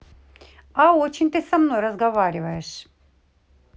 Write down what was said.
а очень ты со мной разговариваешь